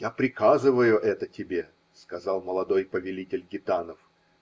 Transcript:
-- Я приказываю это тебе, -- сказал молодой повелитель гитанов.